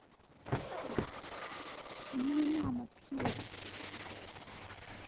у меня мама пьет